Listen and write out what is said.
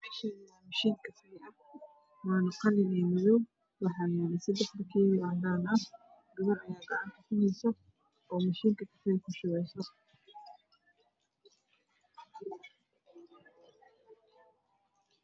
Meeshan waa kushiin kafay ah waana qalin ah waxaa yaalo sadex bakeeri oo cadaan ah gabar gacanta ku hayso oo mishiinka kofey kashubayso